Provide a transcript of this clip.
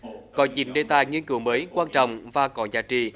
có chín đề tài nghiên cứu mới quan trọng và có giá trị